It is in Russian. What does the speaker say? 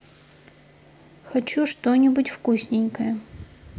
хочу что нибудь вкусненькое